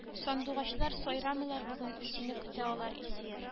Сандугачлар сайрамыйлар бүген сине көтә алар илсөяр